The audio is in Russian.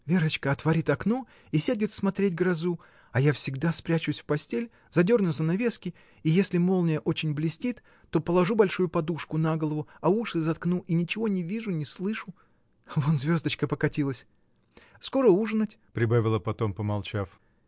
Верочка отворит окно и сядет смотреть грозу, а я всегда спрячусь в постель, задерну занавески, и если молния очень блестит, то положу большую подушку на голову, а уши заткну и ничего не вижу, не слышу. Вон звездочка покатилась! Скоро ужинать! — прибавила потом, помолчав.